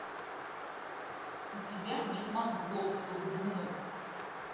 у тебя нет мозгов чтобы думать